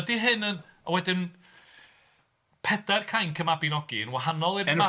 Ydy hyn yn... ond wedyn... Pedair Cainc Y Mabinogi'n wahanol i'r ma-?